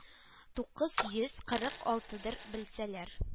Тукыз йөз кырык алтыдыр белсәләр